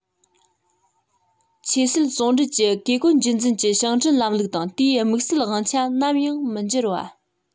ཆོས སྲིད ཟུང འབྲེལ གྱི བཀས བཀོད རྒྱུད འཛིན གྱི ཞིང བྲན ལམ ལུགས དང དེའི དམིགས བསལ དབང ཆ ནམ ཡང མི འགྱུར བ